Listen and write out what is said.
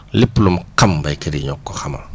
lépp lu mu xam béykat yi ñoo ko ko xamal